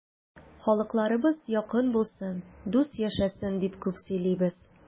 Халыкларыбыз якын булсын, дус яшәсен дип күп сөйлибез.